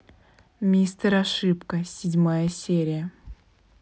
мистер ошибка седьмая серия